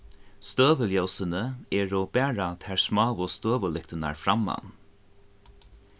støðuljósini eru bara tær smáu støðulyktirnar framman